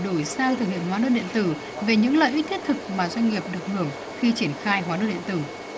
đổi sang thực hiện hóa đơn điện tử về những lợi ích thiết thực mà doanh nghiệp được hưởng khi triển khai hóa đơn điện tử